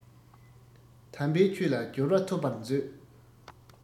དམ པའི ཆོས ལ སྦྱོར བ ཐོབ པར མཛོད